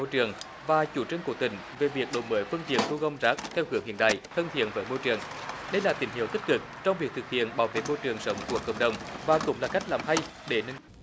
môi trường và chủ trương của tỉnh về việc đổi mới phương tiện thu gom rác theo kiểu hiện đại thân thiện với môi trường đây là tín hiệu tích cực trong việc thực hiện bảo vệ môi trường sống của cộng đồng và cũng là cách làm hay để nâng